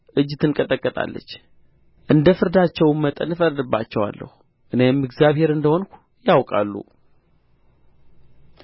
እጅ ትንቀጠቀጣለች እንደ መንገዳቸውም መጠን አደርግባቸዋለሁ በፍርዳቸውም መጠን እፈርድባቸዋለሁ እኔም እግዚአብሔር እንደ ሆንሁ ያውቃሉ